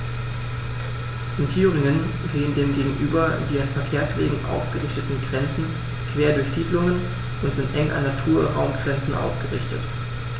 In Thüringen gehen dem gegenüber die an Verkehrswegen ausgerichteten Grenzen quer durch Siedlungen und sind eng an Naturraumgrenzen ausgerichtet.